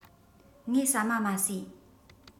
ངས ཟ མ མ ཟོས